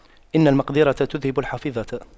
إن المقْدِرة تُذْهِبَ الحفيظة